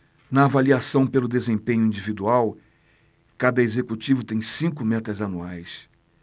na avaliação pelo desempenho individual cada executivo tem cinco metas anuais